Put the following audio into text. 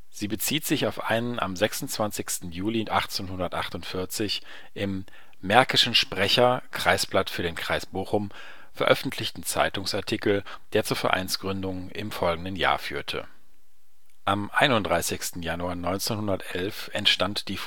Sie bezieht sich auf einen am 26. Juli 1848 im „ Märkischen Sprecher – Kreisblatt für den Kreis Bochum “veröffentlichten Zeitungsartikel, der zur Vereinsgründung im folgenden Jahr führte. Am 31. Januar 1911 entstand die